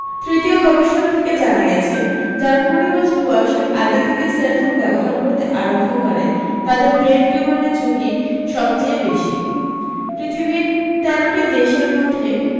তৃতীয় গবেষণা থেকে জানা গেছে যারা কুড়ি বছর বয়েসের আগে থেকে সেলফোন ব্যবহার করতে আরম্ভ করে তাদের ব্রেন টিউমারের ঝুঁকি সবচেয়ে বেশী পৃথিবীর তেরোটি দেশের মধ্যে